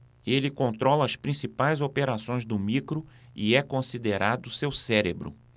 ele controla as principais operações do micro e é considerado seu cérebro